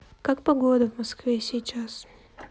как погода в москве сейчас